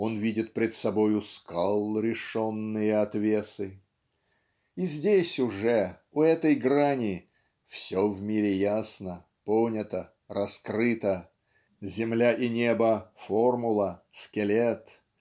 он видит пред собою "скал решенные отвесы" и здесь уже у этой грани "все в мире ясно понято раскрыто земля и небо формула скелет